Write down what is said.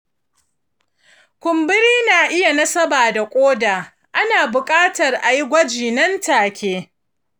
kumburin na iya nasaba da koda; ana bukatar ayi gwaji nan take.